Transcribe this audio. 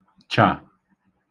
chà